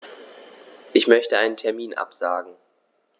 Ich möchte einen Termin absagen.